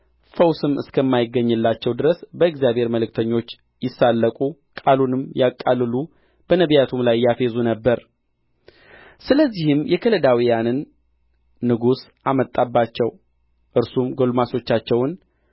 ፈውስም እስከማይገኝላቸው ድረስ በእግዚአብሔር መልእክተኞች ይሳለቁ ቃሉንም ያቃልሉ በነቢያቱም ላይ ያፌዙ ነበር ስለዚህም የከለዳውያንን ንጉሥ አመጣባቸው እርሱም ጕልማሶቻቸውን